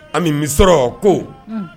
Ami, bɛ misɔrɔ k'.o